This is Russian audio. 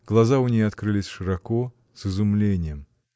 глаза у ней открылись широко, с изумлением.